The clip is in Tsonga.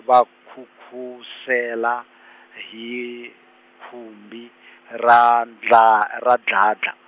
va nkhunkhusela , hi khumbi ra ndla, ra dladla.